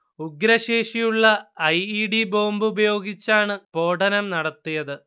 ഉഗ്രശേഷിയുള്ള I. E. D. ബോംബുപയോഗിച്ചാണ് സ്ഫോടനം നടത്തിയത്